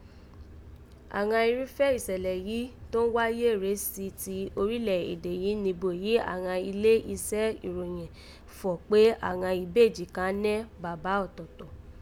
Àghan erúfẹ́ ìsẹ̀lẹ̀ yìí tọ́n wáyé rèé si ti orílẹ̀ èdè yìí nibo yìí àghan ilé isẹ́ ìròyẹ̀n fọ̀ọ́ kpé àghan ìbejì kàn nẹ́ bàbá ọ̀tọ̀ọ̀tọ̀